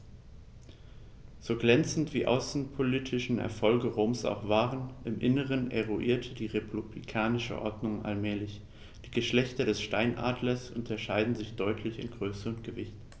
So glänzend die außenpolitischen Erfolge Roms auch waren: Im Inneren erodierte die republikanische Ordnung allmählich. Die Geschlechter des Steinadlers unterscheiden sich deutlich in Größe und Gewicht.